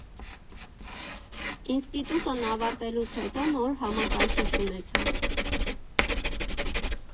Ինստիտուտն ավարտելուց հետո նոր համակարգիչ ունեցա.